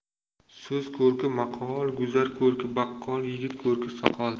so'z ko'rki maqol guzar ko'rki baqqol yigit ko'rki soqol